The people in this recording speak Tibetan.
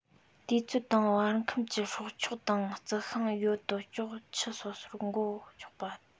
དུས ཚོད དང བར ཁམས ཀྱི སྲོག ཆགས དང རྩི ཤིང ཡོད དོ ཅོག ཁྱུ སོ སོར བགོ ཆོག ལ